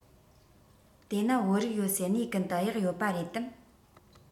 དེ ན བོད རིགས ཡོད སའི གནས ཀུན ཏུ གཡག ཡོད པ རེད དམ